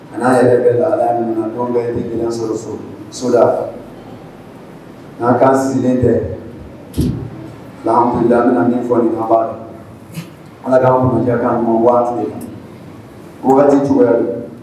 A n'a yɛrɛ bɛ la min bɛ kelen sɔrɔ so soda n'a kaan sen kɛ lammina ni fɔba ala k'an waati ko waati cogoya don